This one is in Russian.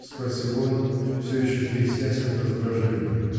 — спросил он, всё еще трясясь от раздражения.